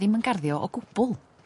...ddim yn garddio o gwbwl.